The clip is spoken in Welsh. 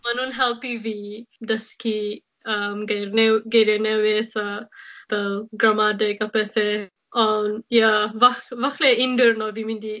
Ma' nw'n helpu fi dysgu yym geir new- geirie newydd a fel gramadeg a pethe. Ond, ie, ffall- falle un diwrnod dwi'n mynd i